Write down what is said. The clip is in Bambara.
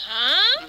A